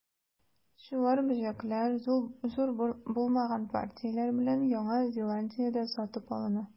Чуар бөҗәкләр, зур булмаган партияләр белән, Яңа Зеландиядә сатып алына.